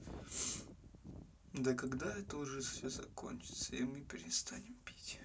да когда уже все это закончится и перестанем мы пить